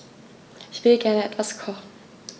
Ich will gerne etwas kochen.